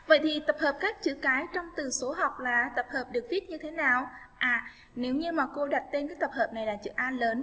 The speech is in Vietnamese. tập hợp các chữ cái trong tử số học là tập hợp được viết như thế nào nếu như mà cô đặt tên các tập hợp này là chưa lớn